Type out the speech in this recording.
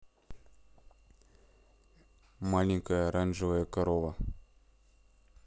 маленькая оранжевая корова